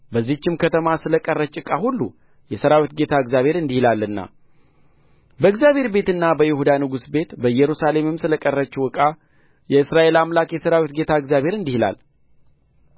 በዚህችም ከተማ ስለ ቀረች ዕቃ ሁሉ የሠራዊት ጌታ እግዚአብሔር እንዲህ ይላልና በእግዚአብሔር ቤትና በይሁዳ ንጉሥ ቤት በኢየሩሳሌምም ስለ ቀረችው ዕቃ የእስራኤል አምላክ የሠራዊት ጌታ እግዚአብሔር እንዲህ ይላል